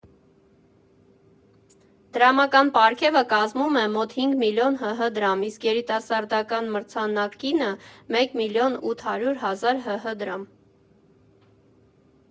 Դրամական պարգևը կազմում է մոտ հինգ միլիոն ՀՀ դրամ, իսկ երիտասարդական մրցանակինը՝ մեկ միլիոն ութ հարյուր հազար ՀՀ դրամ։